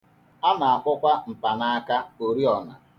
A na-akpọkwa mpanaaka oriọna.